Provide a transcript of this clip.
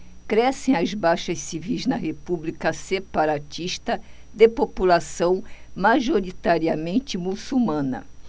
crescem as baixas civis na república separatista de população majoritariamente muçulmana